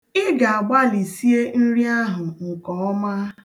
Ị ga-agbalị sie nri ahụ nke ọma.